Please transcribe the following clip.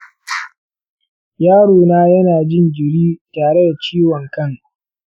yaro na yana jin jiri tare da ciwon kan.